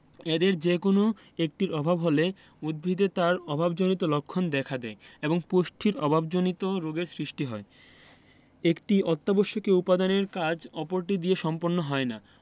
এদের যেকোনো একটির অভাব হলে উদ্ভিদে তার অভাবজনিত লক্ষণ দেখা দেয় এবং পুষ্টির অভাবজনিত রোগের সৃষ্টি হয় একটি অত্যাবশ্যকীয় উপাদানের কাজ অপরটি দিয়ে সম্পন্ন হয় না